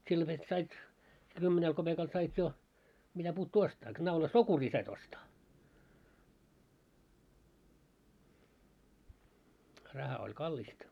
silloin vet sait se kymmenellä kopeekalla sait jo mitä puuttuu ostaa naula sokuria sait ostaa raha oli kallista